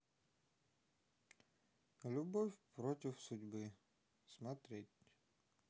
любовь против судьбы смотреть